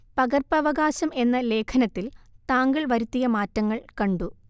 പകർപ്പവകാശം എന്ന ലേഖനത്തിൽ താങ്കൾ വരുത്തിയ മാറ്റങ്ങൾ കണ്ടു